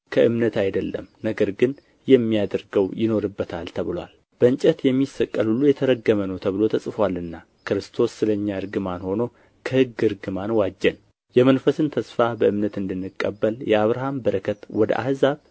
ከእምነት አይደለም ነገር ግን የሚያደርገው ይኖርበታል ተብሎአል በእንጨት የሚሰቀል ሁሉ የተረገመ ነው ተብሎ ተጽፎአልና ክርስቶስ ስለ እኛ እርግማን ሆኖ ከሕግ እርግማን ዋጀን የመንፈስን ተስፋ በእምነት እንድንቀበል የአብርሃም በረከት ወደ አሕዛብ